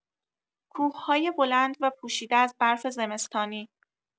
کوه‌های بلند و پوشیده از برف زمستانی